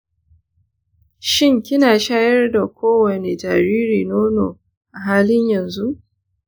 shin kina shayar da kowane jariri nono a halin yanzu?